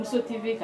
Muso TV ka